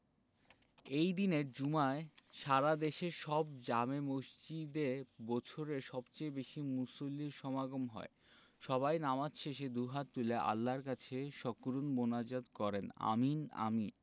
এ দিনের জুমায় সারা দেশের সব জামে মসজিদে বছরের সবচেয়ে বেশি মুসল্লির সমাগম হয় সবাই নামাজ শেষে দুহাত তুলে আল্লাহর কাছে সকরুণ মোনাজাত করেন আমিন আমিন